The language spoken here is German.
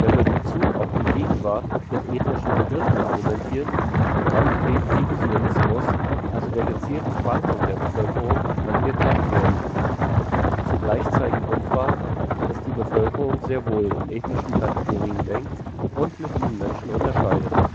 mit Bezug auf die Gegenwart mit ethnischen Begriffen argumentiert, kann wegen „ Divisionismus “, also der gezielten Spaltung der Bevölkerung, angeklagt werden. Zugleich zeigen Umfragen, dass die Bevölkerung sehr wohl in ethnischen Kategorien denkt und mit ihnen Menschen unterscheidet